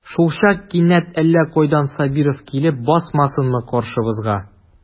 Шулчак кинәт әллә кайдан Сабиров килеп басмасынмы каршыбызга.